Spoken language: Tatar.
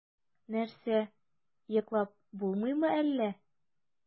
Нәрсә, йоклап булмыймы әллә?